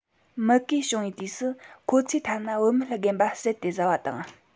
མུ གེ བྱུང བའི དུས སུ ཁོ ཚོས ཐ ན བུད མེད རྒན པ བསད དེ བཟའ བ དང